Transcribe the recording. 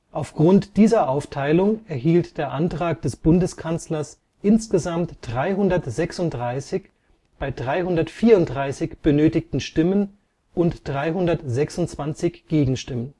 Aufgrund dieser Aufteilung erhielt der Antrag des Bundeskanzlers insgesamt 336 bei 334 benötigten Stimmen und 326 Gegenstimmen